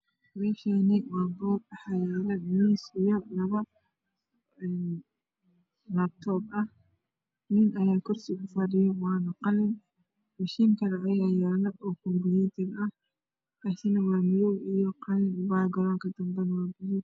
Meeshaani waa hool waxaa yaalo miis iyo laabtoob mid ayaa kirsi ku fadhiyo waa qalin mashiin kale ayaa yaalo oo kumbiitar ah kaasina waa madow iuo qalin background danbana waa buluug